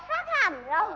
vào